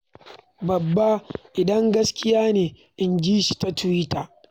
"Babba idan gaskiya ne," inji shi ta Twitter.